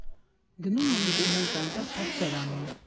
Գնում էինք ու հենց այնտեղ փորձեր անում։